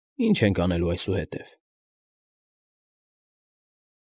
Ի՞նչ ենք անելու այսուհետև…